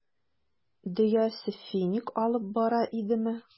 Дөясе финик алып бара идеме?